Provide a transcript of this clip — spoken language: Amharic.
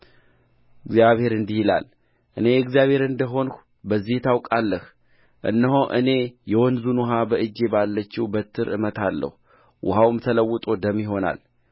እግዚአብሔር እንዲህ ይላል እኔ እግዚአብሔር እንደ ሆንሁ በዚህ ታውቃለህ እነሆ እኔ የወንዙን ውኃ በእጄ ባለችው በትር እመታለሁ ውኃውም ተለውጦ ደም ይሆናል